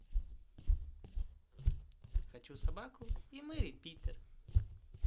хочу собаку и mary питер